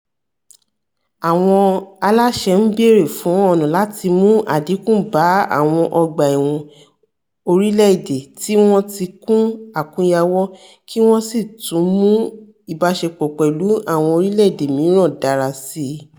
Àwọn aláṣẹ ń bèrè fún ọ̀nà láti mú àdínkù bá àwọn ọgbà ẹ̀wọ̀n orílẹ̀-èdè tí wọ́n ti kún àkúnyawọ́ kí wọ́n sì tún mú ìbáṣepọ̀ pẹ̀lú àwọn orílẹ̀-èdè mìíràn dára síi.